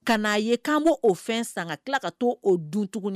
Ka n'a ye k'an bɔ o fɛn san ka tila ka taa' o dun tuguni